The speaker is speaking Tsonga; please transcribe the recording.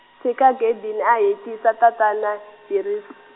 tshika Gideon a hetisa tatana, Jairus.